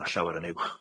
yn llawer yn uwch.